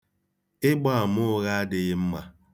Ịgba ama ụgha adịghị mma.